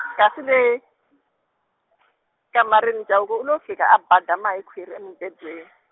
kasi le , kamarini Chauke u lo fika a badama hi khwiri emubedweni.